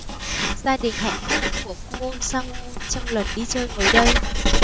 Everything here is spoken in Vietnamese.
gia đình hạnh phúc của kwon sang woo trong lần đi chơi mới đây